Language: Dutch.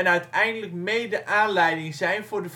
uiteindelijk mede aanleiding zijn voor de